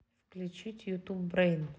включить ютуб брейн